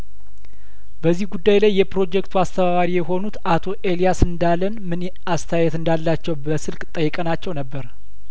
በዚህ ጉዳይ ላይ የፕሮጀክቱ አስተባባሪ የሆኑት አቶ ኤልያስ እንዳለን ምን አስተያየት እንዳላቸው በስልክ ጠይቀናቸው ነበረ